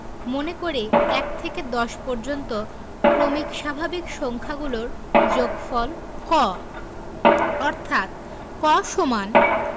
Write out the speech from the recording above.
মনে করি ১ থেকে ১০ পর্যন্ত ক্রমিক স্বাভাবিক সংখ্যাগুলোর যোগফল ক অর্থাৎ ক =